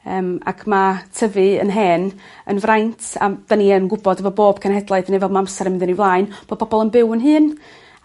Yym ac ma' tyfu yn hen yn fraint a m- 'dyn ni yn gwbod efo bob cenhedlaeth neu fel ma amser yn mynd yn ei flaen bo' pobol yn byw yn hŷn.